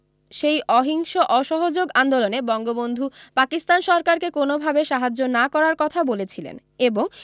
সেই অহিংস অসহযোগ আন্দোলনে বঙ্গবন্ধু পাকিস্তান সরকারকে কোনভাবে সাহায্য না করার কথা বলেছিলেন এবং